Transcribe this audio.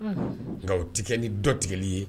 Unhun, nka o tɛ kɛ ni dɔ tigɛli ye.